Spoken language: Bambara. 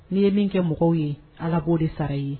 N'i ye min kɛ mɔgɔw ye ala k'o de sara ye